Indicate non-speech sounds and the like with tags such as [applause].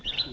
[hesitation]